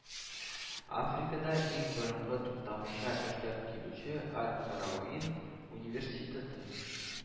Африкада иң борыңгы туктамыйча эшләп килүче Аль-Карауин университеты